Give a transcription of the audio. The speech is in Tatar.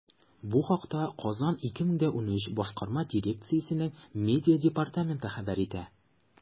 Бу хакта “Казан 2013” башкарма дирекциясенең медиа департаменты хәбәр итә.